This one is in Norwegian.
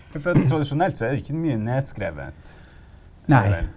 for tradisjonelt så er det ikke så mye nedskrevet, eller?